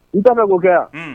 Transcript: N t'a fɛ ko kɛ yan, un